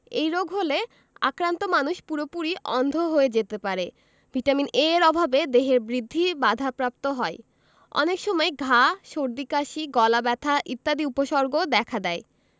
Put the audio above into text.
এই রোগ হলে আক্রান্ত মানুষ পুরোপুরি অন্ধ হয়ে যেতে পারে ভিটামিন A এর অভাবে দেহের বৃদ্ধি বাধাপ্রাপ্ত হয় অনেক সময় ঘা সর্দি কাশি গলাব্যথা ইত্যাদি উপসর্গও দেখা দেয়